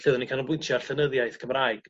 ...lle oddon ni canolbwyntio ar llenyddiaeth Cymraeg.